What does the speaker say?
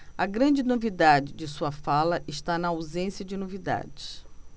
a grande novidade de sua fala está na ausência de novidades